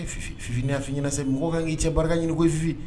Ee Fifi ? Fifi ne ya fi ɲɛna sa mɔgɔ ka kan ki cɛ barika ɲini koyi Fifi ?